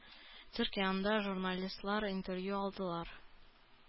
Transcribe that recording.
Цирк янында журналистлар интервью алдылар.